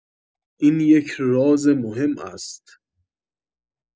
این یک راز مهم است